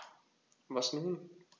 Was nun?